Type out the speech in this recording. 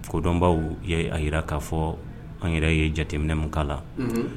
Kodɔnbaw ye a jira k'a fɔ an yɛrɛ ye jateminɛmuka la